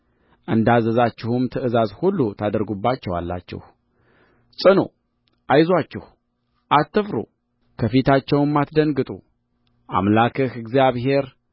እንዳዘዝኋችሁም ትእዛዝ ሁሉ ታደርጉባቸዋላችሁ ጽኑ አይዞአችሁ አትፍሩ ከፊታቸውም አትደንግጡ አምላክህ እግዚአብሔር